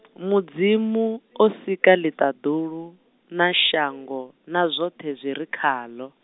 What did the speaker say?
Mudzimu o sika ḽiṱaḓulu, na shango, na zwoṱhe zwire khaḽo.